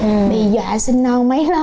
bị dọa sinh non mấy lần